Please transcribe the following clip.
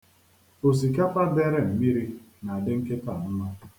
Osikapa dere mmiri na-adị nkịta a mma.